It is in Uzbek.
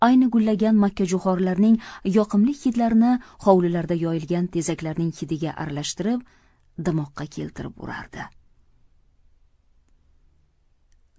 ayni gullagan makkajo'xorilarning yoqimli hidlarini hovlilarda yoyilgan tezaklarning hidiga aralashtirib dimoqqa keltirib urardi